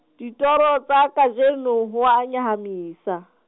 ditoro tsa kajeno ho a nyahamisa.